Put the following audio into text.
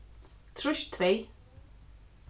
trýst tvey